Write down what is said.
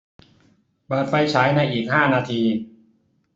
เปิดไฟฉายในอีกห้านาที